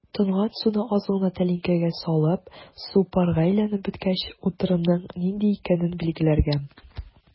Тонган суны аз гына тәлинкәгә салып, су парга әйләнеп беткәч, утырымның нинди икәнен билгеләргә.